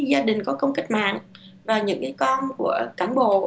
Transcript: gia đình có công cách mạng và những con của cán bộ